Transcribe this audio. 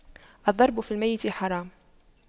الضرب في الميت حرام